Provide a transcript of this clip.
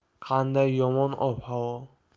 qanday yomon ob havo